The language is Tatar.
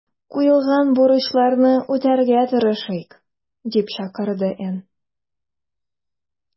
Куелган бурычларны үтәргә тырышыйк”, - дип чакырды Н.